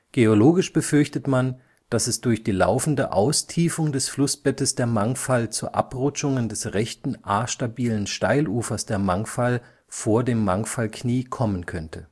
Geologisch befürchtet man, dass es durch die laufende Austiefung des Flussbettes der Mangfall zu Abrutschungen des rechten astabilen Steilufers der Mangfall (vor dem „ Mangfallknie “) kommen könnte